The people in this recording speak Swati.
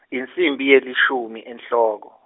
insimbi yelishumi enhloko.